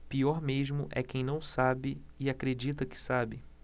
pior mesmo é quem não sabe e acredita que sabe